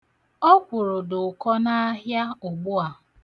Ọkwụrụ dị ụkọ n'ahịa ugbua.